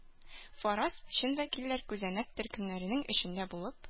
Фараз - чын вәкилләр күзәнәк төркемнәренең эчендә булып...